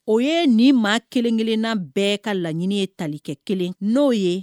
O ye nin maa kelen-kelenna bɛɛ ka laɲini tali kɛ kelen n'o ye